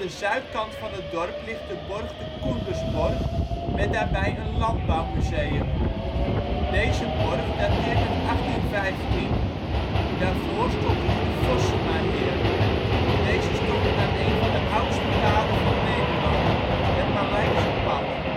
zuidkant van het dorp ligt de borg de Coendersborg met daarbij een landbouwmuseum. Deze borg dateert uit 1815, daarvoor stond hier de Fossemaheerd. Deze stond aan een van de oudste paden van Nederland: het Malijkse Pad